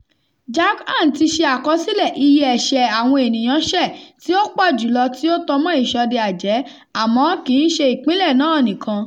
Jharkhand ti ṣe àkọsílẹ̀ iye ẹṣẹ̀ àwọn ènìyán ṣẹ̀ tí ó pọ̀ jù lọ tí ó tan mọ́ ìṣọdẹ-àjẹ́ àmọ́ kì í ṣe ìpínlẹ̀ náà nìkan.